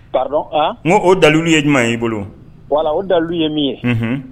Ba dɔn' oo dalilu ye ɲuman ye i bolo wala o dalu ye min ye